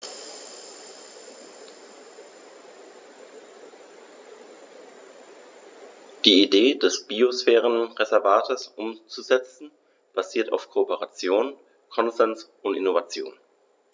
Die Idee des Biosphärenreservates umzusetzen, basiert auf Kooperation, Konsens und Innovation.